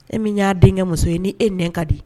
E min y'a denkɛ muso ye n ni e n ka di